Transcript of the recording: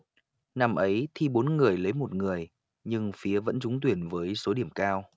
năm ấy thi bốn người lấy một người nhưng phía vẫn trúng tuyển với số điểm cao